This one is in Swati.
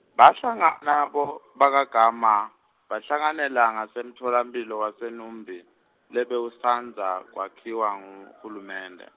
Bahlangana bo , bakaGama, bahlanganela ngasemtfolamphilo waseNumbi, lebewusandza kwakhiwa nguHulumende.